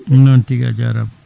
noon tigui a jarama